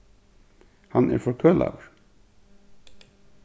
hann er forkølaður